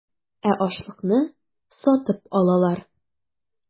Ә ашлыкны сатып алалар.